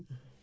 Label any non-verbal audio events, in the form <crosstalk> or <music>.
<hesitation> <hesitation>